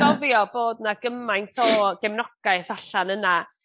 ...gofio bod 'na gymaint o gefnogaeth allan yna